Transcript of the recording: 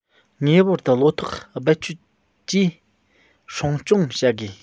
ངེས པར དུ བློ ཐག རྦད བཅད ཀྱིས སྲུང སྐྱོང བྱ དགོས